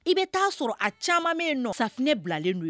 I bɛ taaa sɔrɔ a caman min nɔfinɛ bilalen don ye